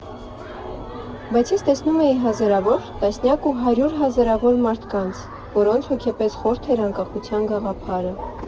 Բայց ես տեսնում էի հազարավոր, տասնյակ ու հարյուր հազարավոր մարդկանց, որոնց հոգեպես խորթ էր անկախության գաղափարը։